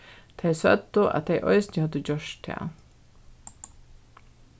tey søgdu at tey eisini høvdu gjørt tað